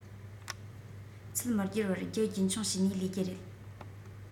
ཚུལ མི སྒྱུར བར རྒྱུ རྒྱུན འཁྱོངས བྱས ནས ལས རྒྱུ རེད